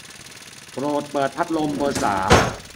โปรดเปิดพัดลมเบอร์สาม